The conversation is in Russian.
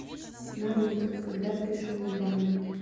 наруто когда пришел в баню